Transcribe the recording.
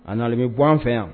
A na bɛ bɔ an fɛ yan